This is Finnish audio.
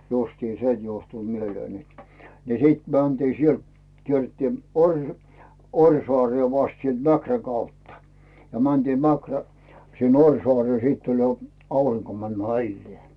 justiin se johtui mieleen että niin sitten mentiin sieltä kierrettiin - Orjasaareen vasta sieltä Mäkrän kautta ja mentiin Mäkrä sinne Orjasaareen sitten oli jo aurinko mennyt mailleen